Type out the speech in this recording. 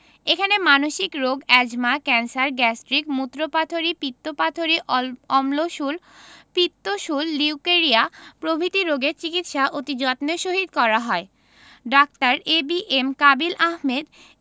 এখানে মানসিক রোগ এ্যজমা ক্যান্সার গ্যাস্ট্রিক মুত্রপাথড়ী পিত্তপাথড়ী অম্লশূল পিত্তশূল লিউকেরিয়া প্রভৃতি রোগের চিকিৎসা অতি যত্নের সহিত করা হয় ডাঃ A B M Kabil Ahmed